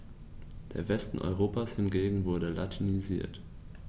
Der Westen Europas hingegen wurde latinisiert.